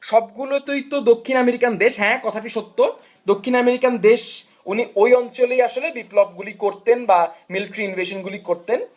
সবগুলোতেই তো দক্ষিণ আমেরিকান দেশ হ্যাঁ কথাটি সত্য দক্ষিণ আমেরিকান দেশ উনি ওই অঞ্চলে আসলে বিপ্লব গুলি করতেন বা মিলিটারি মিশনগুলো করতেন